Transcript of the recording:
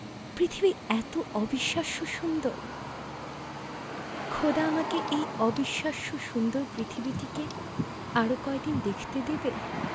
পৃথিবী এতো অবিশ্বাস্য সুন্দর খোদা আমাকে এই অবিশ্বাস্য সুন্দর পৃথিবীটিকে আরো কয়দিন দেখতে দেবে